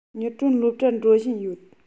ཉི སྒྲོན སློབ གྲྭར འགྲོ བཞིན ཡོད